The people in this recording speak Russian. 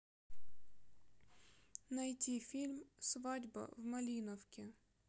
найти фильм свадьба в малиновке